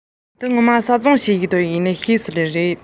རྒད པོས བཀྲ བཟང ལ མི རངས པའི ངང ནས